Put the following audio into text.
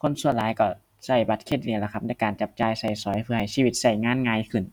คนส่วนหลายคิดคิดบัตรเครดิตล่ะครับในการจับจ่ายคิดสอยเพื่อให้ชีวิตคิดงานง่ายขึ้น